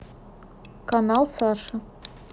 канал саши